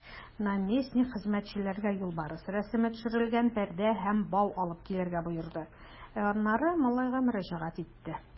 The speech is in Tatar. Наместник хезмәтчеләргә юлбарыс рәсеме төшерелгән пәрдә һәм бау алып килергә боерды, ә аннары малайга мөрәҗәгать итте.